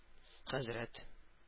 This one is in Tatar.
Хәзрәт